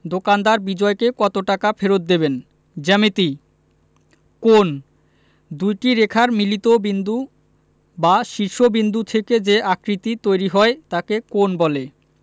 দোকানদার বিজয়কে কত টাকা ফেরত দেবেন জ্যামিতিঃ কোণঃ দুইটি রেখার মিলিত বিন্দু বা শীর্ষ বিন্দু থেকে যে আকৃতি তৈরি হয় তাকে কোণ বলে